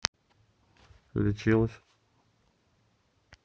лечилась